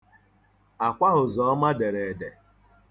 Akwa Ụzọma dere ede.